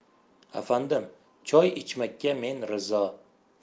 afandim choy ichmakka men rizo